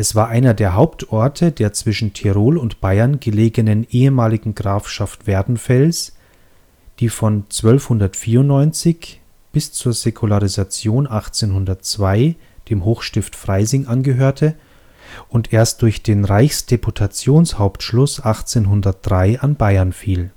war einer der Hauptorte der zwischen Tirol und Bayern gelegenen ehemaligen Grafschaft Werdenfels, die von 1294 bis zur Säkularisation 1802 dem Hochstift Freising angehörte und erst durch den Reichsdeputationshauptschluss 1803 an Bayern fiel